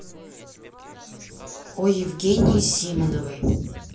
о евгении симоновой